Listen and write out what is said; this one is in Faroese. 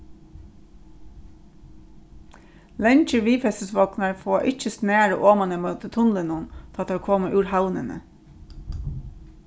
langir viðfestisvognar fáa ikki snarað oman ímóti tunlinum tá teir koma úr havnini